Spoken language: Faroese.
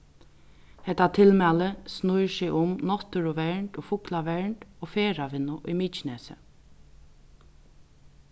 hetta tilmæli snýr seg um náttúruvernd og fuglavernd og ferðavinnu í mykinesi